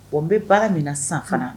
Ɔ n bɛ baara min sanfana